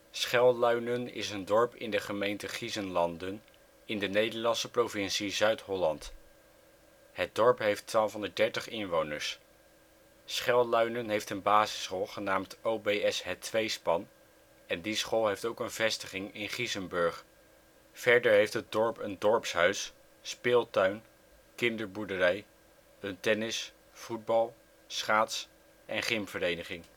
Schelluinen is een dorp in de gemeente Giessenlanden, in de Nederlandse provincie Zuid-Holland. Het dorp heeft 1230 inwoners (2004). Schelluinen heeft een basisschool genaamd o.b.s. Het Tweespan en die school heeft ook een vestiging in Giessenburg. Verder heeft het dorp een dorpshuis, speeltuin, kinderboerderij, een tennis -, voetbal -, schaats - en gymvereniging